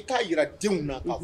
I k'a jira denw na